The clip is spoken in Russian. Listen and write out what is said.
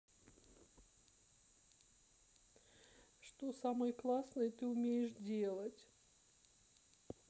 что самое классное ты умеешь делать